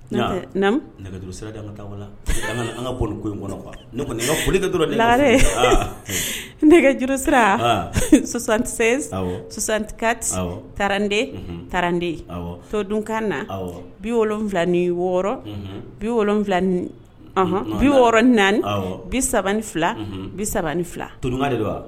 Re nɛgɛ juruuru sirasansantikati taranden taranden so dunkan na bi wolonfilai wɔɔrɔ bi wolonfila ni bi wɔɔrɔɔrɔn ni naani bisa ni fila bisa ni fila